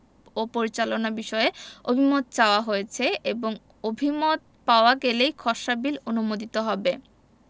ও পরিচালনা বিষয়ে অভিমত চাওয়া হয়েছে এবং অভিমত পাওয়া গেলেই খসড়া বিল অনুমোদিত হবে